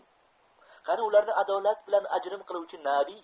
qani ularni adolat bilan ajrim qiluvchi nabiy